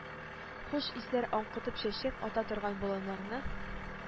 Хуш исләр аңкытып чәчәк ата торган болыннарны,